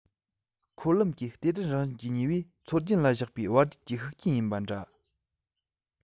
འཁོར ལམ གྱི ལྟེ བྲལ རང བཞིན གྱི ནུས པས མཚོ རྒྱུན ལ བཞག པའི བར བརྒྱུད ཀྱི ཤུགས རྐྱེན ཡིན པ འདྲ